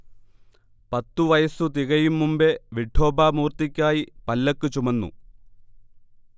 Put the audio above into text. പത്തു വയസ്സു തികയും മുമ്പേ വിഠോബാ മൂർത്തിക്കായി പല്ലക്ക് ചുമന്നു